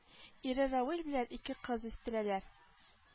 Ире равил белән ике кыз үстерәләр